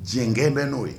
Diɲɛ gɛn bɛ n'o ye